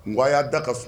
Nk a y'a da ka fo